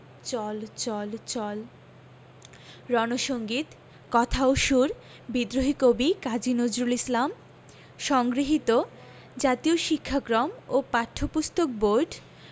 চল চল চল রন সঙ্গীত কথা ও সুর বিদ্রোহী কবি কাজী নজরুল ইসলাম সংগৃহীত জাতীয় শিক্ষাক্রম ও পাঠ্যপুস্তক বোর্ড